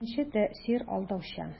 Беренче тәэсир алдаучан.